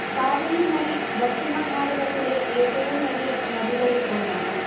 കാവേരി നദി ദക്ഷിണ ഭാരതത്തിലെ എറ്റവും വലിയ നദികളിൽ ഒന്നാണ്